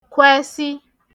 kwẹsi